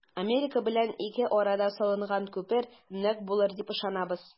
Америка белән ике арада салынган күпер нык булыр дип ышанабыз.